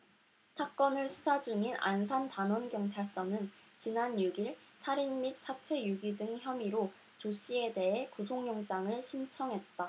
사건을 수사중인 안산단원경찰서는 지난 육 일 살인 및 사체유기 등 혐의로 조씨에 대해 구속영장을 신청했다